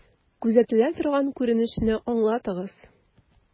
Күзәтелә торган күренешне аңлатыгыз.